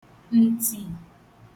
ǹtì